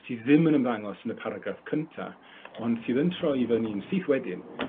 sydd ddim yn ymddangos yn y paragraff cynta, ond sydd yn troi i fyny'n syth wedyn,